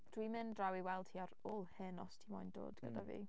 Dwi'n mynd draw i weld hi ar ôl hyn os ti moyn dod gyda fi.